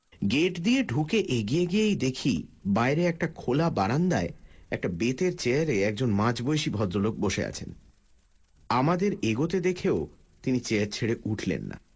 gate দিয়ে ঢুকে এগিয়ে গিয়েই দেখি বাইরে একটা খোলা বারান্দায় একটা বেতের চেয়ারে একজন মাঝবয়সী ভদ্রলোক বসে আছেন আমাদের এগোতে দেখেও তিনি চেয়ার ছেড়ে উঠলেন না